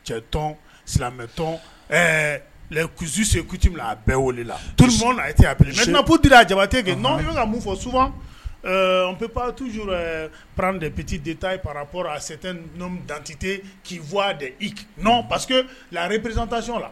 Cɛ tɔn silamɛmɛtɔn kusise kuti a bɛɛ wele la p tɛinapte a jabate ka min fɔ sufap paur pa ppti taa parap a se tɛ n dantete k'i fɔ nɔn paseke lare priztayɔn la